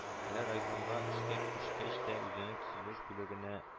Әле райкомга эшкә күчкәч тә үзенең төзелеш бүлегенә